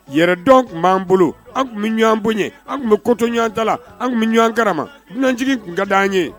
Yɛrɛ dɔn tun b'an bolo anw tun bɛ ɲɔgɔn bonya anw tun bɛ kotɔ ɲɔgɔn tala anw tun bɛ ɲɔgɔn kɛrama dunanj tun ka di an ye